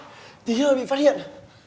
tí nữa bị phát hiện